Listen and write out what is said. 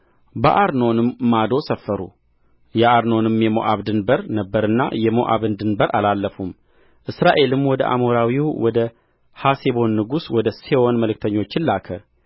በአርኖንም ማዶ ሰፈሩ አርኖንም የሞዓብ ድንበር ነበረና የሞዓብን ድንበር አላለፉም እስራኤልም ወደ አሞራዊው ወደ ሐሴቦን ንጉሥ ወደ ሴዎን መልክተኞችን ላከ